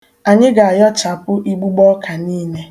Anyị ga-ayọchapụ igbogbo ọka niile